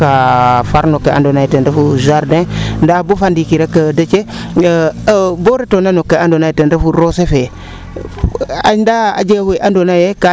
a far no kee ando naye ten refu no jardin ndaa bo faa ndiki rek Déthié bo retoona no kee ando naye ten refu roose fee andaa a jega wee ando anye